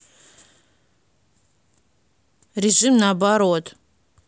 режим наоборот